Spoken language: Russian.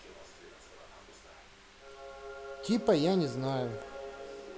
типа я не знаю